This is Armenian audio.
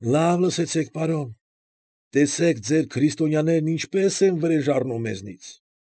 Լավ լսեցեք, պարոն, տեսեք ձեր քրիստոնյաներն ինչպես են վրեժ առնում մեզնից։